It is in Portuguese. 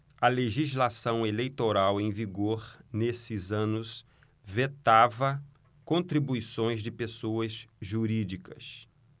a legislação eleitoral em vigor nesses anos vetava contribuições de pessoas jurídicas